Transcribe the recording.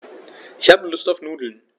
Ich habe Lust auf Nudeln.